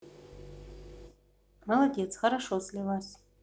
молодец хорошо слилась